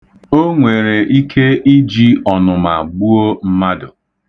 O nwere ike iji ọnụma gbuo mmadụ.